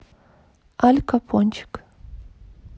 аль капончик